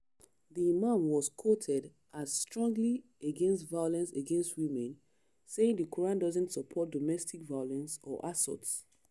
The imam was quoted as strongly against violence against women, saying the Quran doesn’t support domestic violence or assault.